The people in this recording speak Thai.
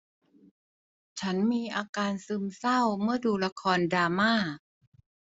ฉันมีอาการซึมเศร้าเมื่อดูละครดราม่า